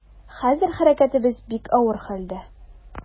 Хәзер хәрәкәтебез бик авыр хәлдә.